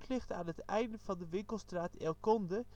ligt aan het eind van de winkelstraat El Conde